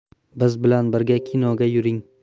biz bilan birga kinoga yuring